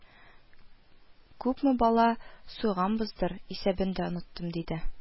Күпме бала суйганбыздыр, исәбен дә оныттым, – диде